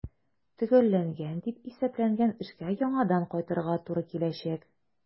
Төгәлләнгән дип исәпләнгән эшкә яңадан кайтырга туры киләчәк.